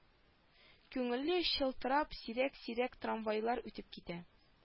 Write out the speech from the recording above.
- күңелле чылтырап сирәк-сирәк трамвайлар үтеп китә